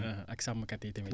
ak sàmmkat yi tamit